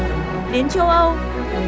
đến châu âu